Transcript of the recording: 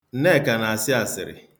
Nneka na-asị asịrị.